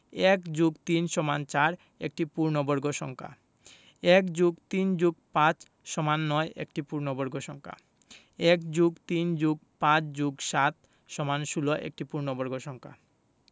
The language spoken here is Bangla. ১+৩=৪ একটি পূর্ণবর্গ সংখ্যা ১+৩+৫=৯ একটি পূর্ণবর্গ সংখ্যা ১+৩+৫+৭=১৬ একটি পূর্ণবর্গ সংখ্যা